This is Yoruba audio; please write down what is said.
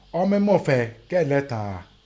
Ọ́ mín mú ẹ̀fẹ́ kéè nẹ́ ẹ̀tàn á.